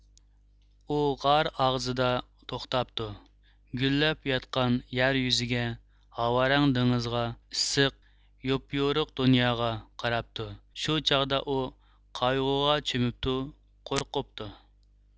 ئۇ غار ئاغزىدا توختاپتۇ گۈللەپ ياتقان يەر يۈزىگە ھاۋارەڭ دېڭىزغا ئىسسىق يوپيورۇق دۇنياغا قاراپتۇ شۇ چاغدا ئۇ قايغۇغا چۆمۈپتۇ قورقۇپتۇ